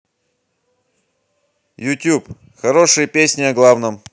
ютуб хорошие песни о главном